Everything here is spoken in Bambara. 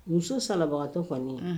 Muso sarabagatɔ kɔni